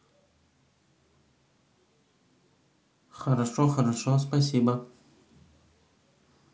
хорошо хорошо спасибо